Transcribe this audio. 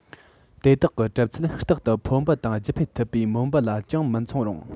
དེ དག གི གྲུབ ཚུལ རྟག ཏུ ཕོ འབུ དང རྒྱུད འཕེལ ཐུབ པའི མོ འབུ ལ ཅུང མི མཚུངས རུང